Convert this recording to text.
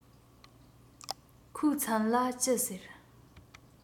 ཁོའི མཚན ལ ཅི ཟེར